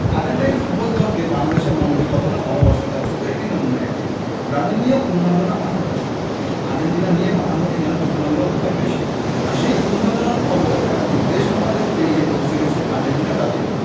Argentine football দলকে বাংলাদেশের মানুষ যে কতটা ভালোবাসে তার ছোট্ট একটা নমুনা এটি ব্রাজিল নিয়েও উন্মাদনা আছে যথেষ্ট কিন্তু আর্জেন্টিনা নিয়ে মাতামাতিই যেন তুলনামূলকভাবে বেশি আর সেই উন্মাদনার খবর এখন দেশ মহাদেশ পেরিয়ে পৌঁছে গেছে আর্জেন্টিনা ব্রাজিলেও